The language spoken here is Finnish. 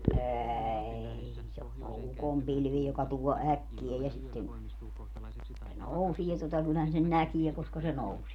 ei se on ne on ukonpilvi joka tuo äkkiä ja sitten se nousee tuota kyllähän sen näkee koska se nousee